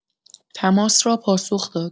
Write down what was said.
تماس را پاسخ داد.